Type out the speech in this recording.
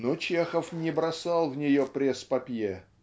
Но Чехов не бросал в нее пресс-папье.